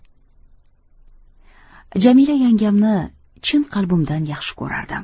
jamila yangamni chin qalbimdan yaxshi ko'rardim